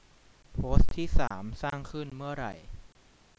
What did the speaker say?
โพสต์ที่สามสร้างขึ้นเมื่อไร